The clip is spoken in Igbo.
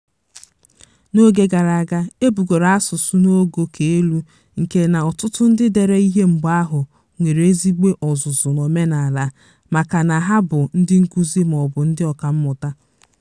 N'oge gara aga, e bugoro asụsụ n'ogo ka elu nke na ọtụtụ ndị dere ihe mgbe ahụ nwere ezigbo ọzụzụ n'omenaala maka na ha bụ ndị nkuzi maọbụ ndị ọkammụta.